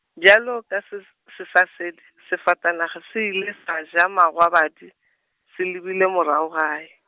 bjalo ka ses- sesasedi, sefatanaga se ile sa ja magwabadi, se lebile morago gae .